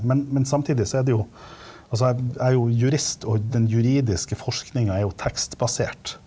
men men samtidig så er det jo altså jeg jeg er jo jurist, og den juridiske forskninga er jo tekstbasert.